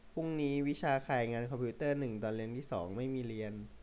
พรุ่งนี้วิชาข่ายงานคอมพิวเตอร์หนึ่งตอนเรียนที่สองไม่มีเรียน